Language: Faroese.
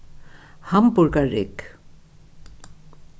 hamburgarrygg